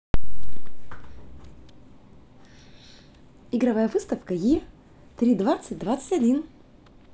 игровая выставка е три двадцать двадцать один